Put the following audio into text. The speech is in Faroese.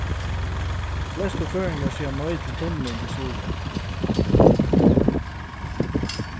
flestu føroyingar siga nei til tunnilin til suðuroyar